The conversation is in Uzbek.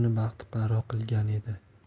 uni baxtiqaro qilgan edi